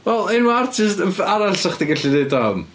Wel enwau artist ff- arall 'sech chdi gallu wneud o am.